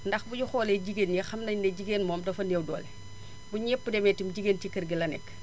ndax bu ñu xoolee jigéen ña xam nañ ne jigéen moom dafa néew doole bu ñëpp demee tim jigéen ci kër gi la nekk